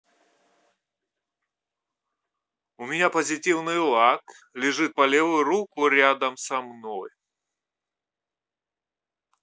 у меня позитивный лак лежит по левую руку рядом со мной